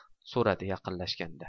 so'radi yaqinlashganda